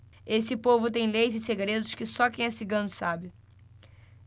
esse povo tem leis e segredos que só quem é cigano sabe